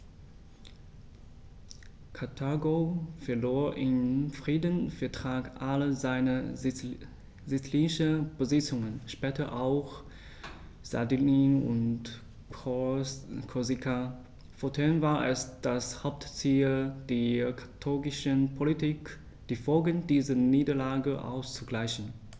Karthago verlor im Friedensvertrag alle seine sizilischen Besitzungen (später auch Sardinien und Korsika); fortan war es das Hauptziel der karthagischen Politik, die Folgen dieser Niederlage auszugleichen.